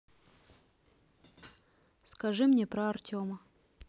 скажи мне про артема